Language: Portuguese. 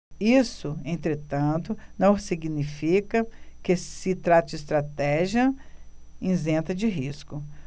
isso entretanto não significa que se trate de estratégia isenta de riscos